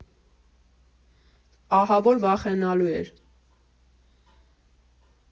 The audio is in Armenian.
Ահավոր վախենալու էր։